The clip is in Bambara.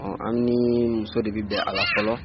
An ni muso de bɛ bɛn ala fɔlɔ